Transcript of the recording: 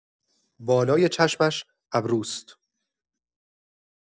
بالای چشمش ابروست